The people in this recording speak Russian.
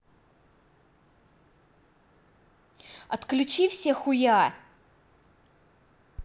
отключи все хуя